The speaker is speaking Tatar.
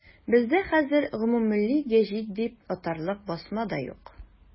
Бездә хәзер гомуммилли гәҗит дип атарлык басма да юк.